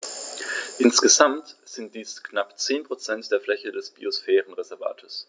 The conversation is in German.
Insgesamt sind dies knapp 10 % der Fläche des Biosphärenreservates.